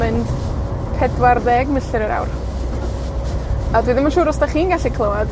mynd pedwar ddeg milltir yr awr. A dwi ddim yn siŵr os 'dach chi'n gallu clwad,